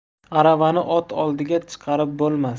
aravani ot oldiga chiqarib bo'lmas